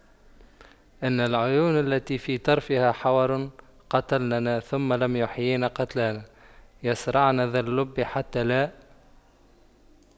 إن العيون التي في طرفها حور قتلننا ثم لم يحيين قتلانا يَصرَعْنَ ذا اللب حتى لا